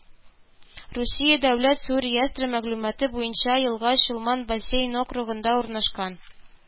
Русия дәүләт су реестры мәгълүматы буенча елга Чулман бассейн округында урнашкан